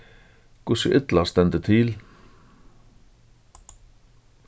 hvussu illa stendur til